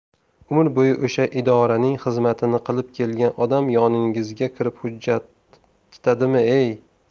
umr bo'yi o'sha idoraning xizmatini qilib kelgan odam yoningizga kirib hujjat titadimi e